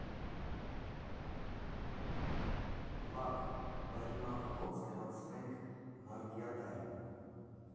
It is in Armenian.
Լա՛վ, բա հիմա ո՞նց գրանցվենք Նարդիադային։